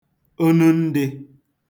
onundị̄